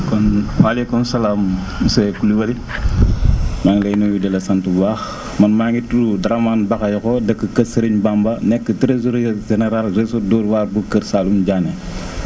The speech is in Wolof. kon maaleykum salaam monsieur Coulibaly maa ngi lay nuyu di la sant bu baax man maa ngi tudd Dramane Bakhayokho dëkk kër Serigne bamba nekk trésorier général réseau Dóor waar bu kër Saalum Diané